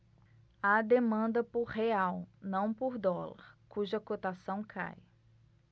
há demanda por real não por dólar cuja cotação cai